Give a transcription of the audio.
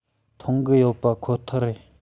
མཐོང གི ཡོད པ ཁོ ཐག ཡིན